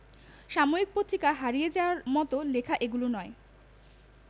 সাময়িক পত্রিকায় হারিয়ে যাবার মত লেখা এগুলি নয়